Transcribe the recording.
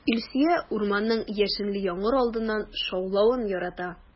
Илсөя урманның яшенле яңгыр алдыннан шаулавын ярата.